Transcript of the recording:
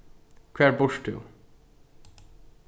hvar býrt tú